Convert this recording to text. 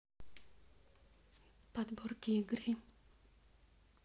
подборки игры